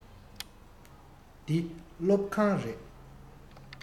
འདི སློབ ཁང རེད